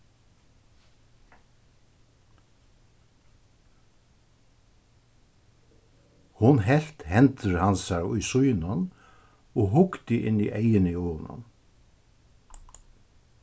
hon helt hendur hansara í sínum og hugdi inn í eyguni á honum